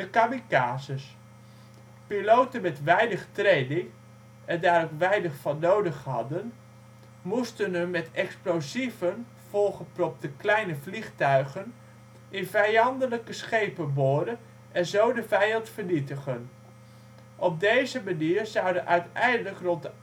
Kamikazes. Piloten met weinig training en daar ook weinig van nodig hadden, moesten hun met explosieven volgepropte kleine vliegtuigen in vijandelijke schepen boren en zo de vijand vernietigen. Op deze manier zouden uiteindelijk rond